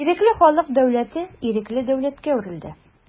Ирекле халык дәүләте ирекле дәүләткә әверелде.